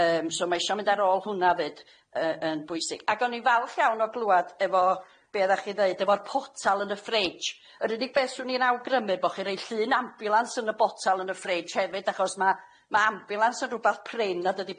yym so ma' isio mynd ar ôl hwnna fyd yy yn bwysig ag o'n i'n falch iawn o glwad efo be' o'ddach chi ddeud efo'r portl yn y frej yr unig beth swn i'n awgrymu bo' chi rei llun ambiwlans yn y botal yn y frej hefyd achos ma' ma' ambiwlans yn rwbath prin nad ydi